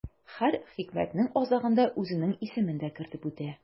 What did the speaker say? Һәр хикмәтнең азагында үзенең исемен дә кертеп үтә.